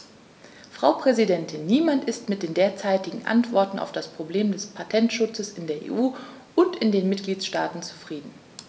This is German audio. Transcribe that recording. Frau Präsidentin, niemand ist mit den derzeitigen Antworten auf das Problem des Patentschutzes in der EU und in den Mitgliedstaaten zufrieden.